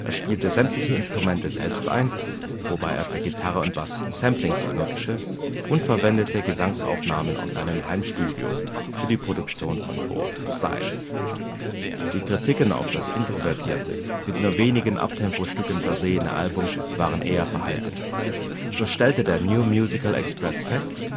spielte sämtliche Instrumente selbst ein (wobei er für Gitarre und Bass Samplings benutzte) und verwendete Gesangsaufnahmen aus seinem Heimstudio für die Produktion von Both Sides. Die Kritiken auf das introvertierte, mit nur wenigen Uptempo-Stücken versehene Album waren eher verhalten. So stellte der New Musical Express fest